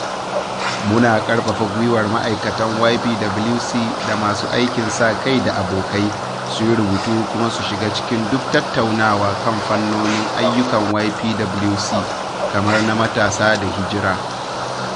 Muna karfafa gwiwar ma’aikatan YPWC da masu aikin sa-kai da abokai su yi rubutu kuma su shiga cikin duk tattaunawa kan fannonin ayyukan YPWC, kamar na matasa da hijira.